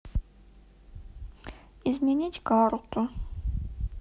изменить карту